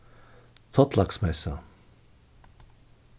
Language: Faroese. tollaksmessa